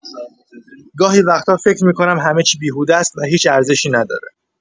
گاهی وقتا فکر می‌کنم همه چی بیهودست و هیچ ارزشی نداره.